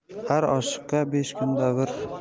har oshiqqa besh kun davr